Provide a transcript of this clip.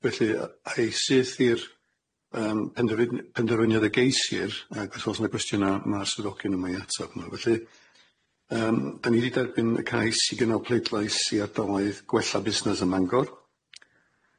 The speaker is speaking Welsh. Felly yy aesydd i'r yym penderfyn- penderfyniad y geisir ag os o's na gwestiyna ma'r swyddogion yma i atab nw, felly yym dan ni di derbyn y cais i gynnal pleidlais i ardalaeth gwella busnes ym Mangor.